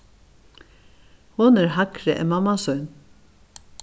hon er hægri enn mamma sín